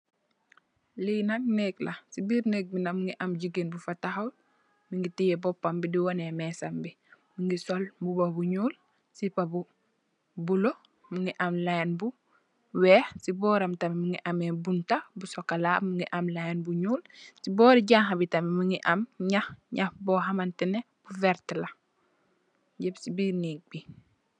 Li nak nekkla sey birr nekk bi nak Mungi am gigain bufa tahaw Mungi teyeh popam bi d waneh messam bi Mungi sol mbuba bu nyuul sippa bu blue Mungi am line bu weih sey boram tam Mungi ameh bunta bu sokola Mungi am line bu nyuul sey borri Janha bi tam Mungi am nyah, nyah boh hamanteh neh verteh la yep sey birr nekk bi.